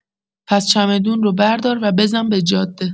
پس چمدون رو بردار و بزن به جاده!